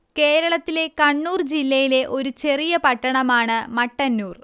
കേരളത്തിലെ കണ്ണൂർ ജില്ലയിലെ ഒരു ചെറിയ പട്ടണമാണ് മട്ടന്നൂര്